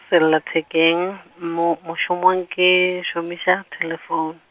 sellathekeng, mo mošomong, ke šomiša, thelefoune.